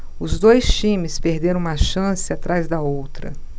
os dois times perderam uma chance atrás da outra